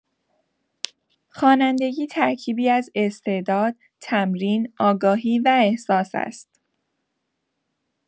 خوانندگی ترکیبی از استعداد، تمرین، آگاهی و احساس است.